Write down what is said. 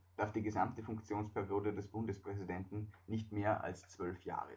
die gesamte Funktionsperiode des Bundespräsidenten nicht mehr als zwölf Jahre